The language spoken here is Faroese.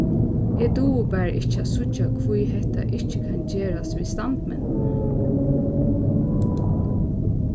eg dugi bara ikki at síggja hví hetta ikki kann gerast við standmyndini